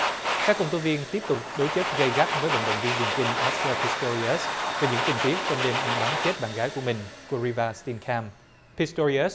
các công tố viên tiếp tục đối chất gay gắt với vận động viên điền kinh ốt cơ pít to ri ớt về những tình tiết trong đêm anh bắn chết bạn gái của mình cô vi la xì tin can pít to ri ớt